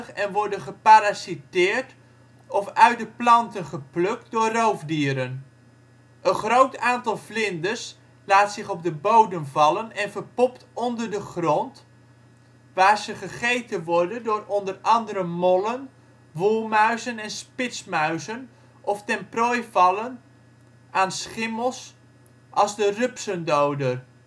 en worden geparasiteerd of uit de planten geplukt door roofdieren. Een groot aantal vlinders laat zich op de bodem vallen en verpopt onder de grond, waar ze gegeten worden door onder andere mollen, woelmuizen en spitsmuizen of ten prooi vallen van schimmels als de rupsendoder